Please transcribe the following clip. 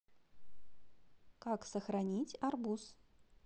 как сохранить арбуз